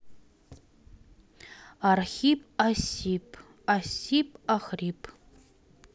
архип осип осип охрип